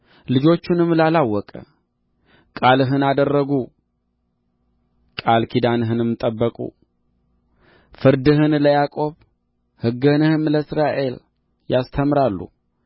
ልጆቹንም ላላወቀ ቃልህን አደረጉ ቃል ኪዳንህንም ጠበቁ ፍርድህን ለያዕቆብ ሕግህንም ለእስራኤል ያስተምራሉ